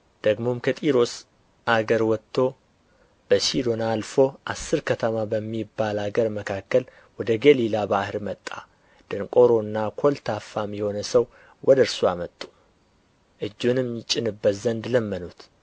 ደግሞም ከጢሮስ አገር ወጥቶ በሲዶና አልፎ አሥር ከተማ በሚባል አገር መካከል ወደ ገሊላ ባሕር መጣ ደንቆሮና ኰልታፋም የሆነ ሰው ወደ እርሱ አመጡ እጁንም ይጭንበት ዘንድ ለመኑት